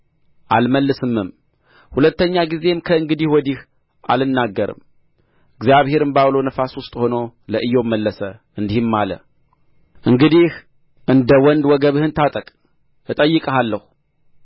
አልመልስምም ሁለተኛ ጊዜም ከእንግዲህ ወዲህ አልናገርም እግዚአብሔርም በዐውሎ ነፋስ ውስጥ ሆኖ ለኢዮብ መለሰ እንዲህም አለ እንግዲህ እንደ ወንድ ወገብህን ታጠቅ እጠይቅሃለሁ